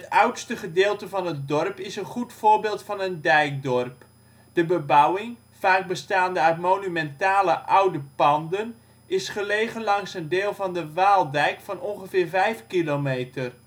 oudste gedeelte van het dorp is een goed voorbeeld van een dijkdorp. De bebouwing, vaak bestaand uit monumentale oude panden, is gelegen langs een deel van de Waaldijk van ongeveer vijf kilometer